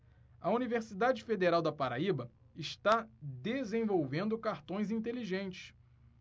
a universidade federal da paraíba está desenvolvendo cartões inteligentes